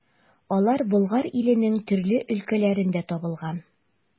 Алар Болгар иленең төрле өлкәләрендә табылган.